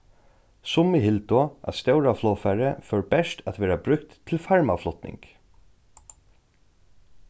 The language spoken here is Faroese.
summi hildu at stóra flogfarið fór bert at verða brúkt til farmaflutning